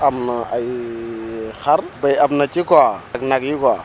am na ay ay xar béy am na ci quoi ak nag yi quoi